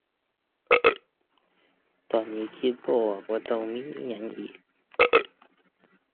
ตอนนี้คิดบ่ออกว่าต้องมีอิหยังอีก